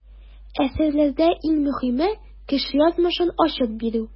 Әсәрләрдә иң мөһиме - кеше язмышын ачып бирү.